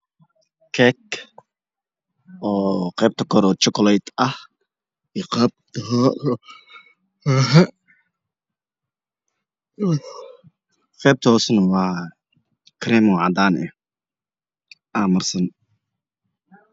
Cake oo qeybta kore chocolate ah iyo qeybta hoose na waa cream oo cadaan ah aa marsan